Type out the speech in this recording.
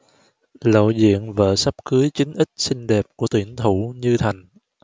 lộ diện vợ sắp cưới chín x xinh đẹp của tuyển thủ như thành